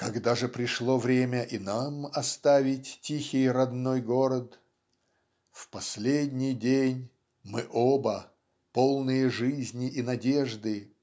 "Когда же пришло время и нам оставить тихий родной город. в последний день мы оба полные жизни и надежды